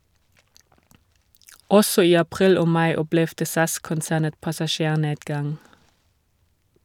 Også i april og mai opplevde SAS-konsernet passasjernedgang.